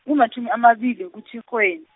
imatjhumi amabili kuTjhirhweni.